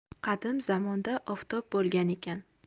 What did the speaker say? qadim zamonda oftob bo'lgan ekan